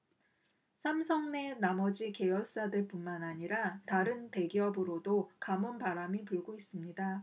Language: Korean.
삼성 내 나머지 계열사들뿐만 아니라 다른 대기업으로도 감원바람이 불고 있습니다